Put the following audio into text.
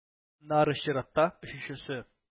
Аннары чиратта - өченчесе.